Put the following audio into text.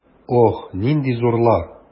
Ох, нинди зурлар!